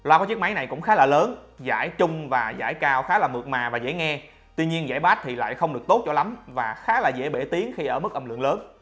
loa của chiếc máy này khá lớn dải trung và cao mượt mà và khá dễ nghe tuy nhiên dải bass thì lại không được tốt cho lắm và khá dễ bể tiếng ở mức âm lượng lớn